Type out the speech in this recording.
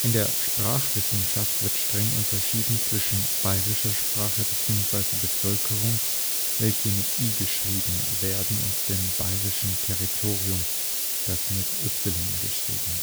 der Sprachwissenschaft wird streng unterschieden zwischen bairischer Sprache bzw. Bevölkerung, welche mit „ i “geschrieben werden, und dem bayerischen Territorium, das mit „ y “geschrieben